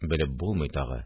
Белеп булмый тагы